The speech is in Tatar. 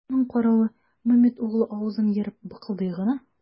Аның каравы, Мамед углы авызын ерып быкылдый гына.